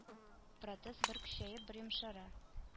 Протез бер көчәеп бер йомшара